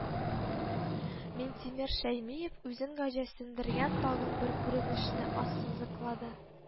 Минтимер Шәймиев үзен гаҗәсендергән тагын бер күренешне ассызыклады